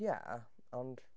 Ie, ond...